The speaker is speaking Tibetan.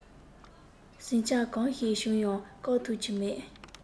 ཟིང ཆ གང ཞིག བྱུང ཡང བཀག ཐུབ ཀྱི མེད